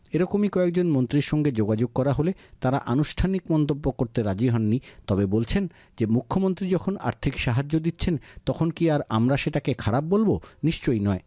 এরকমই কয়েকজন মন্ত্রীর সঙ্গে যোগাযোগ করা হলে তারা আনুষ্ঠানিক মন্তব্য করতে রাজি হননি তবে বলছেন মুখ্যমন্ত্রী যখন আর্থিক সাহায্য দিচ্ছেন তখন কি আর আমরা সেটাকে খারাপ বলব নিশ্চয়ই নয়